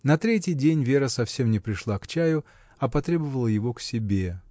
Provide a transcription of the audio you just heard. На третий день Вера совсем не пришла к чаю, а потребовала его к себе.